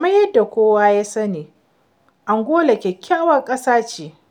Kamar yadda kowa ya sani, Angola kyakkywar ƙasa ce.